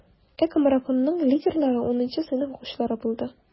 ЭКОмарафонның лидерлары 10 сыйныф укучылары булды.